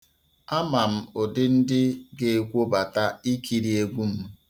A ma m ụdị ndị ga-ekwobata ikiri egwu m.